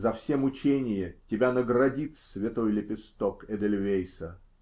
За все мучения тебя наградит святой лепесток эдельвейса!